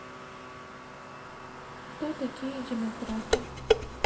кто такие демократы